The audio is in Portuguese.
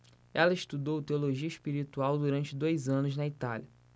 ela estudou teologia espiritual durante dois anos na itália